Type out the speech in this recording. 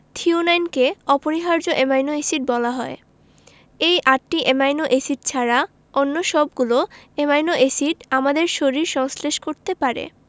থ্রিওনাইনকে অপরিহার্য amino acid বলা হয় এই আটটি অ্যামাইনো এসিড ছাড়া অন্য সবগুলো অ্যামাইনো এসিড আমাদের শরীর সংশ্লেষ করতে পারে